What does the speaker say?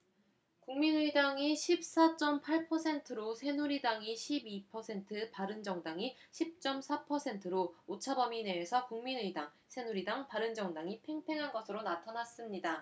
국민의당이 십 사 쩜 팔 퍼센트로 새누리당이 십 이 퍼센트 바른정당이 십 쩜 사 퍼센트로 오차범위 내에서 국민의당 새누리당 바른정당이 팽팽한 것으로 나타났습니다